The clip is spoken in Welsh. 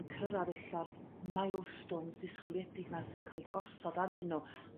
yn cyrra'dd ella'r milestones disgwyliedig 'na sy'n ca'l 'u gosod arnyn nhw